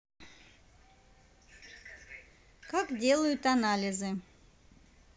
как делают анализы